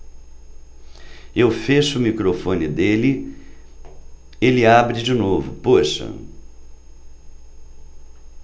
eu fecho o microfone dele ele abre de novo poxa